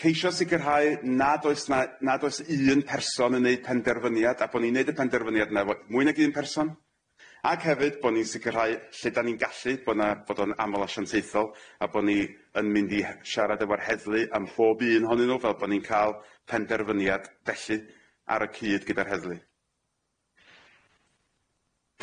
ceisio sicirhau nad oes na- nad oes un person yn neud penderfyniad a bo' ni'n neud y penderfyniad yna fo- mwy nag un person ag hefyd bo' ni'n sicirhau lle dan ni'n gallu bo' na- fod o'n amal asiantaethol a bo' ni yn mynd i he- siarad efo'r heddlu am phob un ohonyn nw fel bo' ni'n ca'l penderfyniad felly ar y cyd gyda'r heddlu.